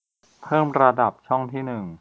เพิ่มระดับช่องที่หนึ่ง